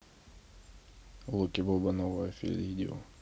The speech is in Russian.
локи бобо новое видео